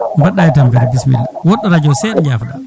mbaɗɗa e tampere bisimilla woɗɗo radio seeɗa jafoɗa